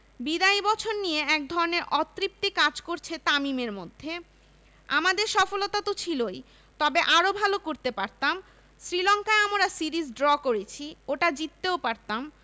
বিদায়ী বছর নিয়ে একধরনের পরিতৃপ্তি কাজ করছে তামিমের মধ্যে আমাদের সফলতা তো ছিলই তবে আরও ভালো করতে পারতাম শ্রীলঙ্কায় আমরা সিরিজ ড্র করেছি ওটা জিততেও পারতাম